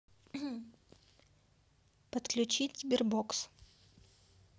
подключить sberbox